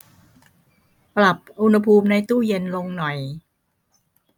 ปรับอุณหภูมิในตู้เย็นลงหน่อย